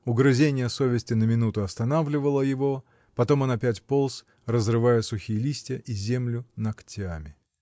Угрызение совести на минуту останавливало его, потом он опять полз, разрывая сухие листья и землю ногтями.